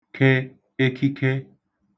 ke ekike